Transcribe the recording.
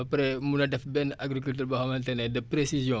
ba pare mun a def benn agriculture boo xamante ne de précision